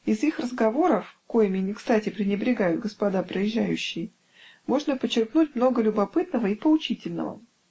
Из их разговоров (коими некстати пренебрегают господа проезжающие) можно почерпнуть много любопытного и поучительного.